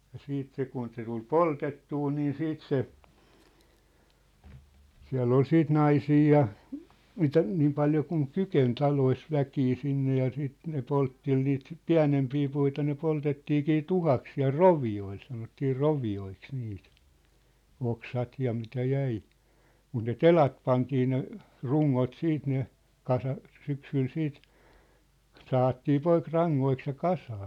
ja sitten se kun se tuli poltettua niin sitten se siellä oli sitten naisia ja mitä niin paljon kuin kykeni taloissa väkeä sinne ja sitten ne poltteli niitä pienempiä puita ne poltettiinkin tuhkaksi siellä rovioille sanottiin rovioiksi niitä oksat ja mitä jäi mutta ne telat pantiin ne rungot siitä ne kasasi syksyllä siitä sahattiin poikki rangoiksi ja kasaan